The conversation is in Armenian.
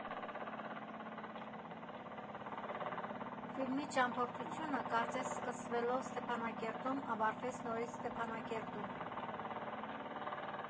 Ֆիլմի ճամփորդությունը, կարծես սկսվելով Ստեփանակերտում, ավարտվեց նորից Ստեփանակերտում։